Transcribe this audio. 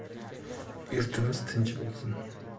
yurtimiz tinch bo'lsin